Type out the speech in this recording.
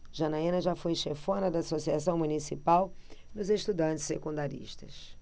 janaina foi chefona da ames associação municipal dos estudantes secundaristas